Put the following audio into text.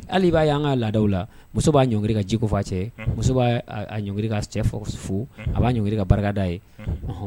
Hali b'a y'an ka laadaw la muso b'a ɲɔri ka jikofa cɛ muso b'a ɲɔ ka cɛ fo a b'a ɲɔ ka barikada ye